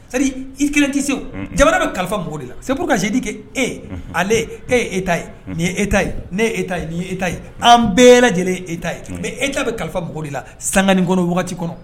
Seli i kelen tɛ se jamana bɛ kalifa mako de la segu ka sedi kɛ e ale e yee ta ye nin yee ta ye nee ta ye nine ta ye an bɛɛ lajɛlen e ta ye e'a bɛ kalifa de la sangi kɔnɔ wagati kɔnɔ